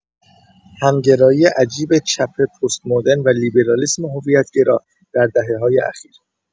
همگرایی عجیب چپ پست‌مدرن و لیبرالیسم هویت‌گرا در دهه‌های اخیر